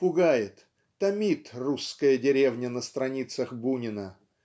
Пугает, томит русская деревня на страницах Бунина